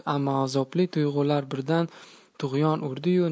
ammo azobli tuyg'ular birdan tug'yon urdi yu